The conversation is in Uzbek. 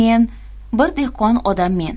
men bir dehqon odammen